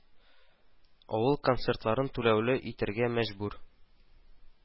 Авыл концертларын түләүле итәргә мәҗбүр